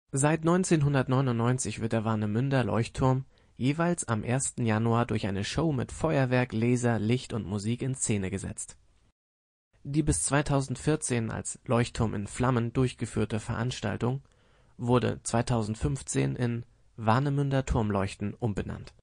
Seit 1999 wird der Warnemünder Leuchtturm jeweils am 1. Januar durch eine Show mit Feuerwerk, Laser, Licht und Musik in Szene gesetzt. Die bis 2014 als Leuchtturm in Flammen durchgeführte Veranstaltung wurde 2015 in Warnemünder Turmleuchten umbenannt